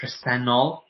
presennol